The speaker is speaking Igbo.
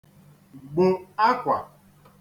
gbò akwà